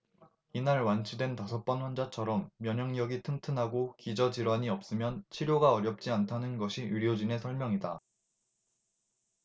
이날 완치된 다섯 번 환자처럼 면역력이 튼튼하고 기저 질환이 없으면 치료가 어렵지 않다는 것이 의료진의 설명이다